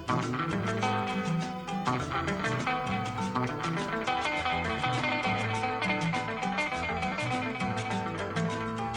Maa